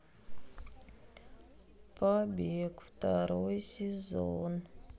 побег второй сезон